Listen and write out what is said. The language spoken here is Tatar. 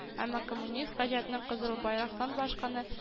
Әмма камунист хаҗәтнең кызыл байрактан башканы